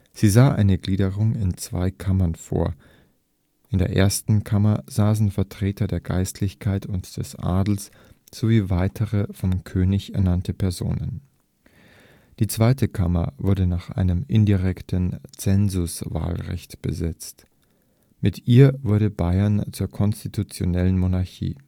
Sie sah eine Gliederung in zwei Kammern vor. In der ersten Kammer saßen Vertreter der Geistlichkeit und des Adels sowie weitere vom König ernannte Personen. Die zweite Kammer wurde nach einem indirekten Zensuswahlrecht besetzt. Mit ihr wurde Bayern zur konstitutionellen Monarchie